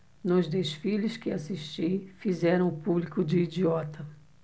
nos desfiles que assisti fizeram o público de idiota